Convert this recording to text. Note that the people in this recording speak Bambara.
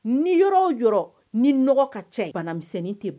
Ni yɔrɔ yɔrɔ ni ka cɛ ye banamisɛnnin tɛ